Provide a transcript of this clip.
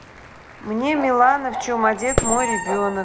а мне milana в чем одет мой ребенок